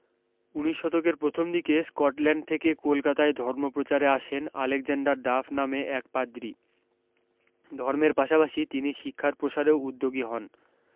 উনিশ শতকের প্রথম দিকে স্কটল্যান্ড থেকে কলকাতায় ধর্মপ্রচারে আসেন আলেকজান্ডার ডাফ নামে এক পাদ্রী ধর্মের পাশাপাশি তিনি শিক্ষার প্রসারেও উদ্যোগী হন